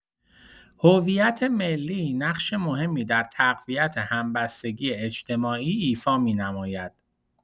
هویت ملی نقش مهمی در تقویت همبستگی اجتماعی ایفا می‌نماید.